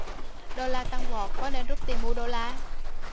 đô la tăng vọt có nên rút tiền mua đô la